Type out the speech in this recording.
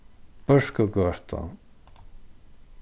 børkugøta